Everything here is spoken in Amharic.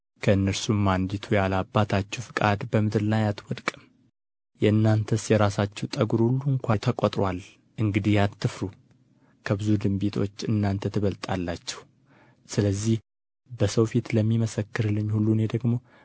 ከእነርሱም አንዲቱ ያለ አባታችሁ ፈቃድ በምድር ላይ አትወድቅም የእናንተስ የራሳችሁ ጠጉር ሁሉ እንኳ ተቈጥሮአል እንግዲህ አትፍሩ ከብዙ ድንቢጦች እናንተ ትበልጣላችሁ ስለዚህ በሰው ፊት ለሚመሰክርልኝ ሁሉ እኔ ደግሞ